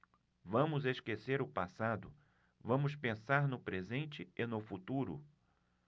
vamos esquecer o passado vamos pensar no presente e no futuro